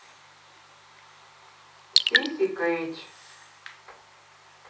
сиси кетч